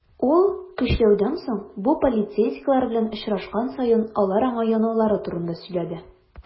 Ул, көчләүдән соң, бу полицейскийлар белән очрашкан саен, алар аңа янаулары турында сөйләде.